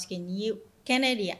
Parceseke ye kɛnɛ de ye